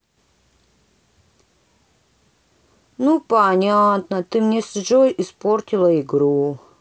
ну понятно ты мне с джой испортила игру